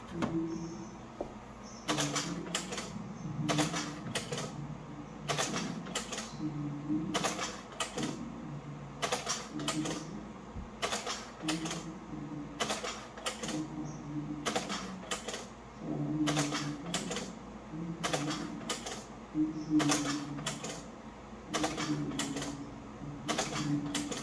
Miis saaran saxan yar waxaa saaran jibsi iyo jabaati